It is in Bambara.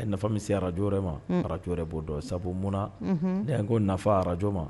A ye nafa min se araj ma araj bɔ dɔn sabu mun ne y' ko nafa arajo ma